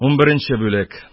Унберенче бүлек